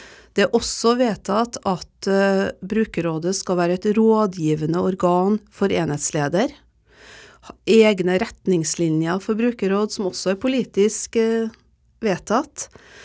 det er også vedtatt at brukerrådet skal være et rådgivende organ for enhetsleder, egne retningslinjer for brukerråd som også er politisk vedtatt.